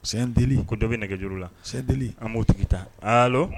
Send ko dɔ bɛ nɛgɛj la seneli an mo tigi ta salo